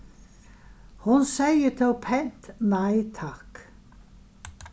hon segði tó pent nei takk